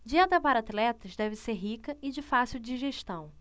dieta para atletas deve ser rica e de fácil digestão